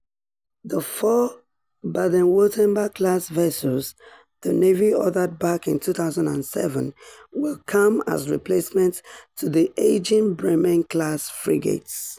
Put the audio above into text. The four Baden-Wuerttemberg-class vessels the Navy ordered back in 2007 will come as replacement to the ageing Bremen-class frigates.